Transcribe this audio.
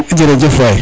jerejef waay